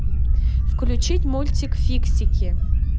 включить мультик фиксики